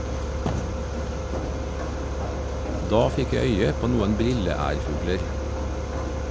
Da fikk jeg øye på noen brilleærfugler.